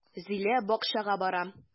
Зилә бакчага бара.